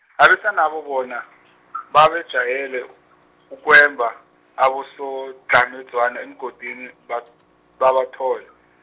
abesanabo bona, babajayele ukwemba, abosodlhamedzwana emigodini, ba- babathole.